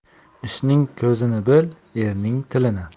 ishning ko'zini bil erning tilini